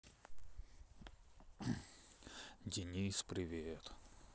денис привет